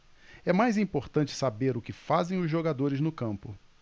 é mais importante saber o que fazem os jogadores no campo